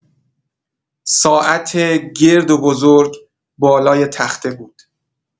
ساعت گرد و بزرگ بالای تخته بود.